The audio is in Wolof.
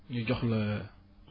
ñu jox la